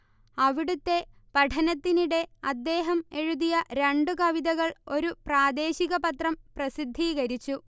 അവിടുത്തെ പഠനത്തിനിടെ അദ്ദേഹം എഴുതിയ രണ്ടു കവിതകൾ ഒരു പ്രാദേശിക പത്രം പ്രസിദ്ധീകരിച്ചു